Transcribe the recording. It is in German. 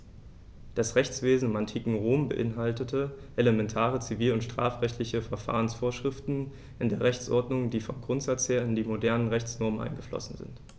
Das Rechtswesen im antiken Rom beinhaltete elementare zivil- und strafrechtliche Verfahrensvorschriften in der Rechtsordnung, die vom Grundsatz her in die modernen Rechtsnormen eingeflossen sind.